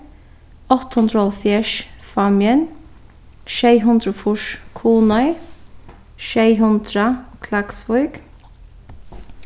átta hundrað og hálvfjerðs fámjin sjey hundrað og fýrs kunoy sjey hundrað klaksvík